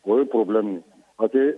O ye problème ye parce que